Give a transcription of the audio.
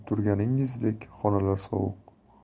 turganingizdek xonalar sovuq